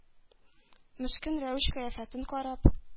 Мескен рәвеш-кыяфәтен карап,